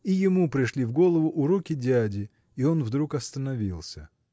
И ему пришли в голову уроки дяди, и он вдруг остановился.